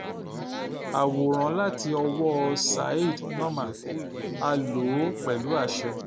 Àwòrán láti ọwọ́ọ Syed Noman. A lò ó pẹ̀lú àṣẹ.